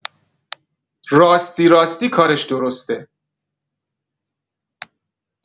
راستی راستی کارش درسته!